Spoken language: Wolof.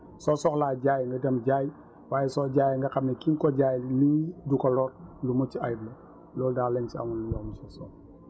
soo soxlaa jaay nga dem jaay waaye soo jaayee nga xam ne ki nga ko jaay nii du ko lor lu mucc ayib la loolu daal lañ si amoon luñ ci wax Monsieur SoW